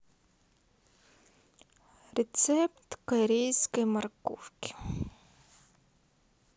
рецепт корейской морковки